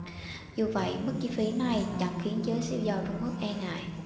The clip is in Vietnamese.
dù vậy mức chi phí này chẳng khiến giới siêu giàu trung quốc e ngại